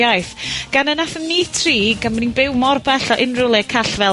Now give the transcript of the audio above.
...iaith, gan y nathon ni tri gan bo' ni'n byw mor bell o unryw le call fel...